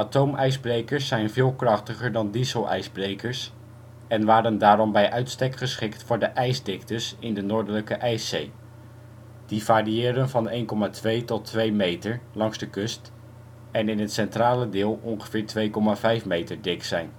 Atoomijsbrekers zijn veel krachtiger dan dieselijsbrekers en waren daarom bij uitstek geschikt voor de ijsdiktes in de Noordelijke IJszee, die variëren van 1,2 tot 2 meter langs de kust en in het centrale deel ongeveer 2,5 meter dik zijn